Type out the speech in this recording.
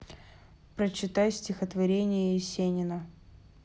прочитай стихотворение есенина